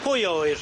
Pwy a ŵyr?